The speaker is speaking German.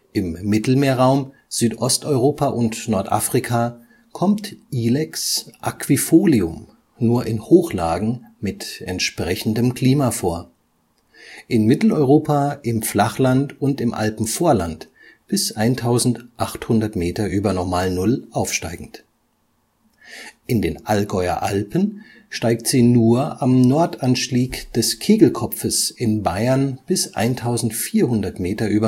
Im Mittelmeerraum, Südosteuropa und Nordafrika kommt Ilex aquifolium nur in Hochlagen mit entsprechendem Klima vor, in Mitteleuropa im Flachland und im Alpenvorland bis 1800 m ü. NN aufsteigend. In den Allgäuer Alpen steigt sie nur am Nordanstieg des Kegelkopfes in Bayern bis 1400 m ü